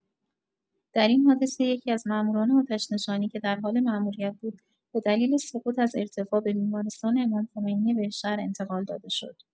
در این حادثه یکی‌از ماموران آتش‌نشانی که در حال ماموریت بود به دلیل سقوط از ارتفاع به بیمارستان امام‌خمینی بهشهر انتقال داده شد.